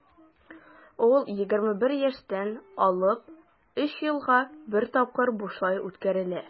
Ул 21 яшьтән алып 3 елга бер тапкыр бушлай үткәрелә.